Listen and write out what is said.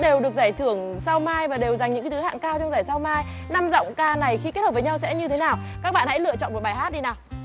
đều được giải thưởng sao mai và đều dành những thứ hạng cao trong giải sao mai năm giọng ca này khi kết hợp với nhau sẽ như thế nào các bạn hãy lựa chọn một bài hát đi nào